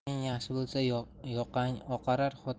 xotining yaxshi bo'lsa yoqang oqarar